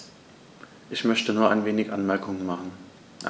Ich möchte nur wenige Anmerkungen machen.